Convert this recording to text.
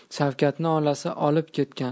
shavkatni onasi olib ketgan